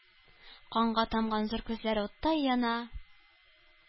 Канга баткан зур күзләре уттай яна.